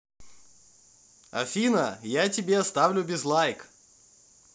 афина я тебе оставлю без like